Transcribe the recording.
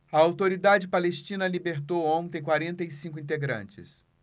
a autoridade palestina libertou ontem quarenta e cinco integrantes